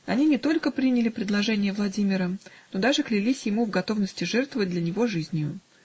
Они не только приняли предложение Владимира, но даже клялись ему в готовности жертвовать для него жизнию.